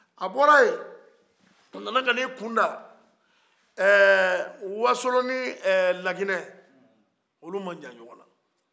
a bɔra ye a nana ka na a kun da ɛ wasolo ni ɛ laginɛ olu ma jan ɲɔgɔn na